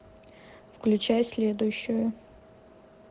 включай следующую